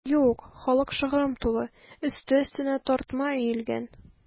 Юк, халык шыгрым тулы, өсте-өстенә тартма өелгән.